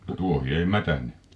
mutta tuohi ei mätäne